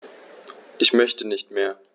Ich möchte nicht mehr.